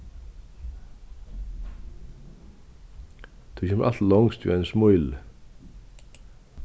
tú kemur altíð longst við einum smíli